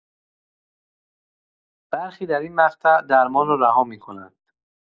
برخی در این مقطع درمان را رها می‌کنند.